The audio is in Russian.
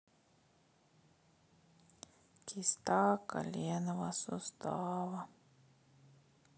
киста коленного сустава